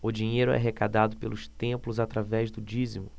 o dinheiro é arrecadado pelos templos através do dízimo